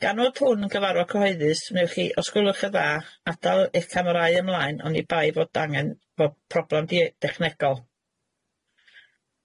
Gan fod hwn yn cyfarfod cyhoeddus, wnewch chi os gwelwch yn dda, adael eich camerâu ymlaen onibai fod angen fod problem de- dechnegol.